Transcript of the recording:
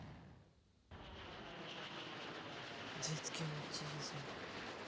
детский аутизм